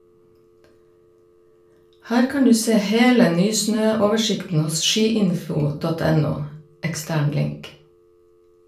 Her kan du se hele nysnø-oversikten hos skiinfo.no (ekstern link).